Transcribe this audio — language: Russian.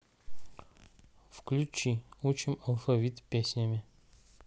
включи учим алфавит песнями